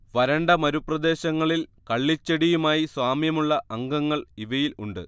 വരണ്ട മരുപ്രദേശങ്ങളിൽ കള്ളിച്ചെടിയുമായി സാമ്യമുള്ള അംഗങ്ങൾ ഇവയിൽ ഉണ്ട്